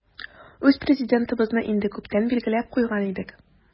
Үз Президентыбызны инде күптән билгеләп куйган идек.